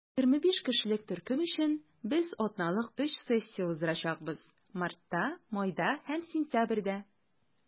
25 кешелек төркем өчен без атналык өч сессия уздырачакбыз - мартта, майда һәм сентябрьдә.